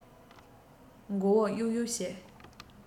མགོ བོ གཡུག གཡུག བྱེད